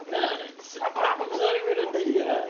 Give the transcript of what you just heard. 'Na nen- s- pam bysa rywun yn neu' yna?